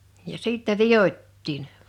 ja sitten vidottiin